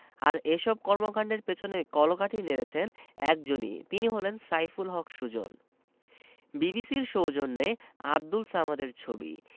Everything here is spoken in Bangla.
আর এসব কর্মকাণ্ডের পেছনে কলকাঠি নেড়েছেন একজনই তিনি হলেন সাইফুল হক সুজন বিবিসির সৌজন্যে আবদুল সামাদের ছবি